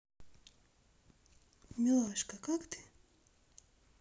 милашка как ты